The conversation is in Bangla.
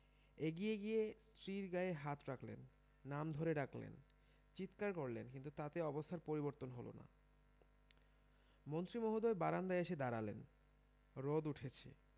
এগিয়ে গিয়ে স্ত্রীর গায়ে হাত রাখলেন নাম ধরে ডাকলেন চিৎকার করলেন কিন্তু তাতে অবস্থার পরিবর্তন হলো না মন্ত্রী মহোদয় বারান্দায় এসে দাঁড়ালেন রোদ উঠেছে